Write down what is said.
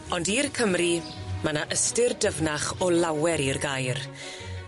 Ond i'r Cymry, ma' 'na ystyr dyfnach o lawer i'r gair.